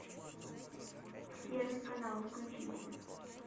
первый канал включите